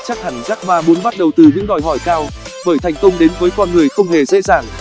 chắc hẳn jack ma muốn bắt đầu từ những đòi hỏi cao bởi thành công đến với con người không hề dễ dàng